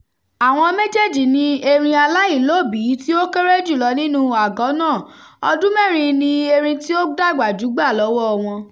Àwọn méjèèjì ni erin aláìlóbìíi tí ó kéré jù lọ nínú àgọ́ náà; ọdún mẹ́rin ni erin tí ó dàgbà jù gbà lọ́wọ́ọ wọn.